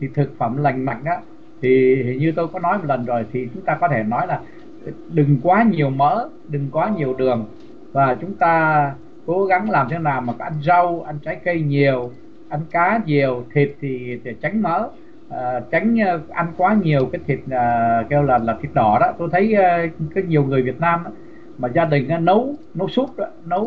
thịt thực phẩm lành mạnh á thì như tôi có nói một lần rồi thì chúng ta có thể nói rằng đừng quá nhiều mỡ đừng quá nhiều đường và chúng ta cố gắng làm thế nào mà ăn rau ăn trái cây nhiều ăn cá nhiều thịt thì để tránh mỡ tránh ăn ăn quá nhiều thịt là kêu là thịt đỏ đớ tôi thấy rất nhiều người việt nam mà gia đình ra nấu nấu súp đớ nấu